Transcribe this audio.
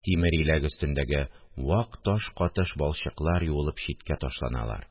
Тимер иләк өстендәге вак таш катыш балчыклар юылып читкә ташланалар